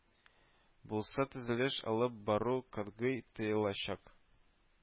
Булса төзелеш алып бару катгый тыелачак